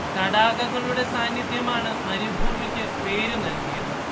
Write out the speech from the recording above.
തടാകങ്ങളുടെ സാന്നിദ്ധ്യമാണ് മരുഭൂമിക്ക് പേരു നൽകിയത്